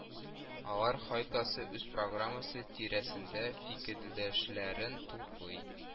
Алар һәркайсы үз программасы тирәсендә фикердәшләрен туплый